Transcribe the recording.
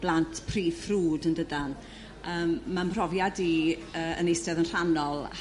blant prif ffrwd yndydan? Yrm ma'm mhrofiad i yrr yn 'istedd yn rhannol